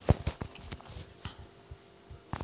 предлагаешь шепотом да